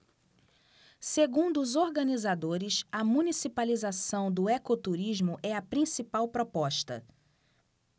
segundo os organizadores a municipalização do ecoturismo é a principal proposta